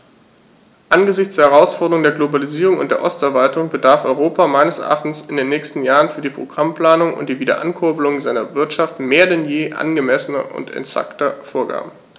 Angesichts der Herausforderung der Globalisierung und der Osterweiterung bedarf Europa meines Erachtens in den nächsten Jahren für die Programmplanung und die Wiederankurbelung seiner Wirtschaft mehr denn je angemessener und exakter Vorgaben.